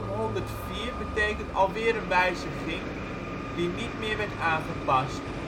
Album 104 betekent alweer een wijziging, die niet meer werd aangepast